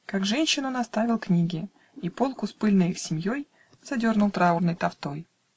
Как женщин, он оставил книги, И полку, с пыльной их семьей, Задернул траурной тафтой.